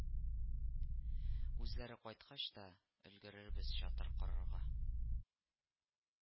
Үзләре кайткач та өлгерербез чатыр корырга